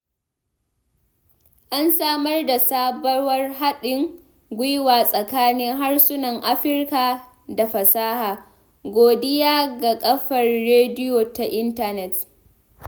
An samar da sabuwar haɗin gwiwa tsakanin harsunan Afirka da fasaha, godiya ga kafar rediyo ta intanet.